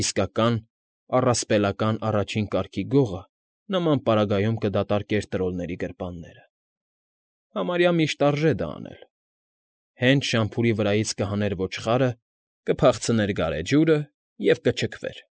Իսկական, առասպելական առաջին կարգի գողը նման պարագայում կդատարկեր տրոլների գրպանները (համարյա միշտ արժե դա անել), հենց շամփուրի վրայից կհաներ ոչխարը, կփախցներ գարեջուրը և կչքվեր։